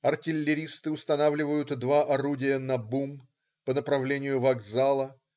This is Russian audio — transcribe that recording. Артиллеристы устанавливают два орудия на бум, по направлению вокзала.